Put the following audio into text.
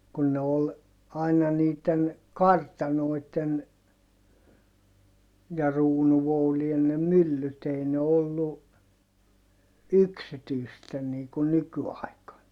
kun ne oli aina niiden kartanoiden ja kruununvoutien ne myllyt ei ne ollut yksityisten niin kuin nykyaikana